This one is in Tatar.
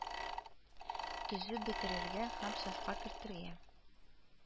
Төзеп бетерергә һәм сафка кертергә